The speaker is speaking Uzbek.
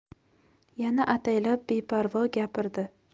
yana ataylab beparvo gapirdi